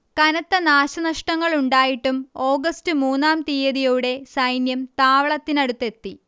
കനത്ത നാശനഷ്ടങ്ങളുണ്ടായിട്ടും ഓഗസ്റ്റ് മൂന്നാം തീയതിയോടെ സൈന്യം താവളത്തിനടുത്തെത്തി